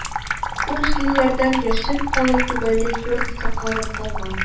Ул җилләрдән яшел калай түбәле йорт сакланып калган